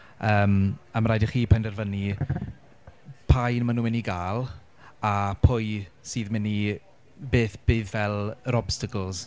yym a ma' raid i chi penderfynnu pa un maen nhw'n mynd i gael a pwy sydd mynd i... beth bydd fel yr obstacles.